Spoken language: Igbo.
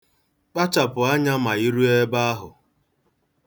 Kpachapụ anya ma i ruo ebe ahụ.